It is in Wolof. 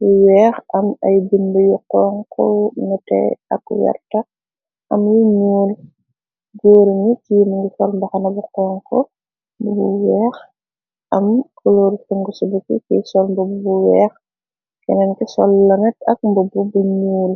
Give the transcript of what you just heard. yu weex am ay bind yu xonko nete ak werta am yi ñiil jóore ni ci mungi forbaxana bu xonko bu bu weex am koloru fingu subuki ki solmb bu bu weex kenenki sol lanet ak mbo bu bu ñyuul.